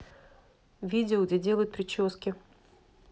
видео где делают прически